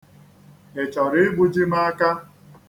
Ị chọrọ igbuji m aka.